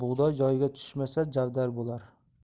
bug'doy joyiga tushmasa javdar bo'lar